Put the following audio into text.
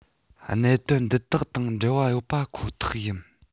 ནང དོན འདི དག དང འབྲེལ བ ཡོད པ ཁོ ཐག ཡིན